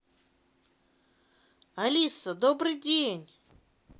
алиса добрый день